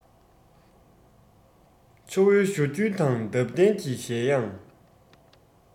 ཆུ བོའི བཞུར རྒྱུན དང འདབ ལྡན གྱི བཞད དབྱངས